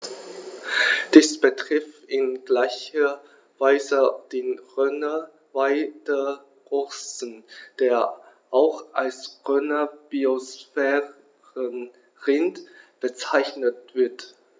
Dies betrifft in gleicher Weise den Rhöner Weideochsen, der auch als Rhöner Biosphärenrind bezeichnet wird.